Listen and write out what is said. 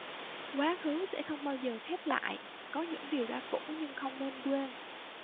quá khứ sẽ không bao giờ khép lại có những điều đã cũ nhưng không nên quên